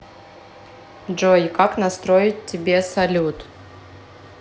джой как настроить тебе салют